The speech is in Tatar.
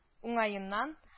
Уңаеннан